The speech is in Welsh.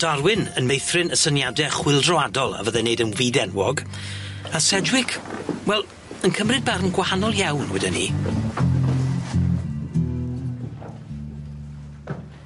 Darwin yn meithrin y syniade chwyldroadol a fydde'n neud yn fyd-enwog a Sedgwick, wel, yn cymryd barn gwahanol iawn weden i.